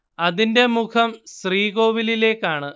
അതിന്റെ മുഖം ശ്രീകോവിലിലേക്കാണ്